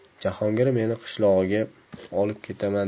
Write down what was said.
jahongir meni qishlog'iga olib ketaman